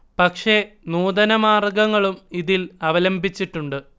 പക്ഷേ നൂതന മാർഗങ്ങളും ഇതിൽ അവലംബിച്ചിട്ടുണ്ട്